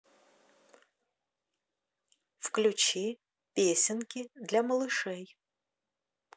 включи песенки для малышей